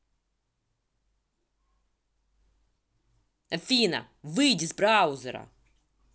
афина выйди из браузера